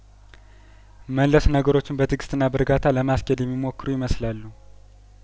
መለስ ነገሮችን በትእግስትና በእርጋታ ለማስኬድ የሚሞክሩ ይመስ ላሉ